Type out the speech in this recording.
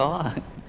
có ạ